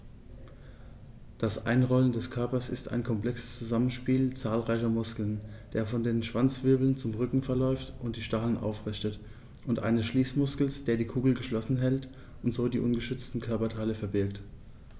Das Einrollen des Körpers ist ein komplexes Zusammenspiel zahlreicher Muskeln, der von den Schwanzwirbeln zum Rücken verläuft und die Stacheln aufrichtet, und eines Schließmuskels, der die Kugel geschlossen hält und so die ungeschützten Körperteile verbirgt.